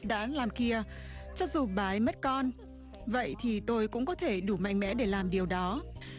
đã làm kia cho dù bà ấy mất con vậy thì tôi cũng có thể đủ mạnh mẽ để làm điều đó